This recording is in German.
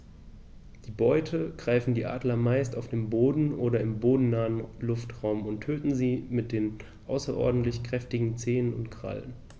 Die Beute greifen die Adler meist auf dem Boden oder im bodennahen Luftraum und töten sie mit den außerordentlich kräftigen Zehen und Krallen.